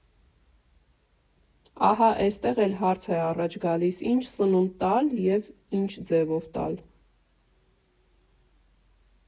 Ահա էստեղ էլ հարց է առաջ գալիս՝ի՞նչ սնունդ տալ և ի՞նչ ձևով տալ։